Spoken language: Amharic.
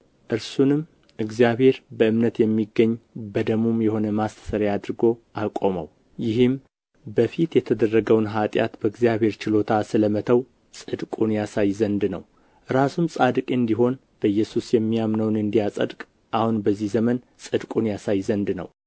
እርሱንም እግዚአብሔር በእምነት የሚገኝ በደሙም የሆነ ማስተስሪያ አድርጎ አቆመው ይህም በፊት የተደረገውን ኃጢአት በእግዚአብሔር ችሎታ ስለ መተው ጽድቁን ያሳይ ዘንድ ነው ራሱም ጻድቅ እንዲሆን በኢየሱስም የሚያምነውን እንዲያጸድቅ አሁን በዚህ ዘመን ጽድቁን ያሳይ ዘንድ ነው